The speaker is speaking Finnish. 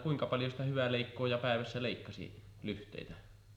kuinka paljon sitä hyvä leikkaaja päivässä leikkasi lyhteitä